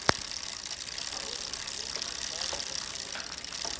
горький вкус султан логачев